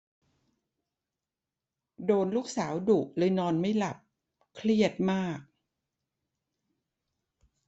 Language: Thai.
โดนลูกสาวดุเลยนอนไม่หลับเครียดมาก